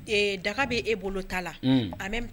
Daga bɛ e bolo ta la